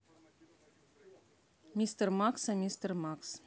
мистер макса мистер макс